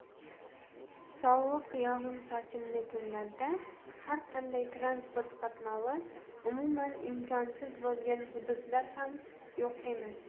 sovuq yog'in sochinli kunlarda har qanday transport qatnovi umuman imkonsiz bo'lgan hududlar ham yo'q emas